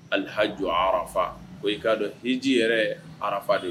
Alihaj fa ko i k'a dɔn i ji yɛrɛ ye ararafa de